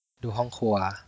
ดูห้องครัว